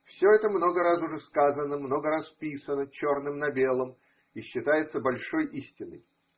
Все это много раз уже сказано, много раз писано черным на белом и считается большой истиной.